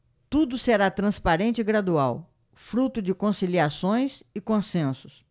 tudo será transparente e gradual fruto de conciliações e consensos